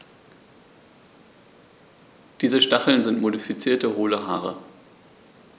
Diese Stacheln sind modifizierte, hohle Haare.